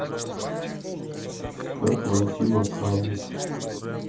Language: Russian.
как войти в аккаунт